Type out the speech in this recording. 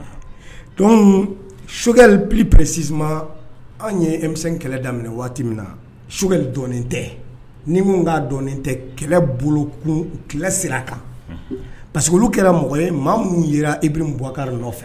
Donc Choguel plus précisément anw ye M5 kɛlɛ daminɛ waati min na Choguel dɔnnen tɛ. Ni n ko a dɔnnen tɛ, kɛlɛ bolokun kɛlɛ sira kan. Unhun! parce que olu kɛra mɔgɔ ye maa minnu ye la Ibrahim Boubacar Keïta nɔfɛ.